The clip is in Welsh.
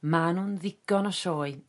ma' nw'n ddigon o sioe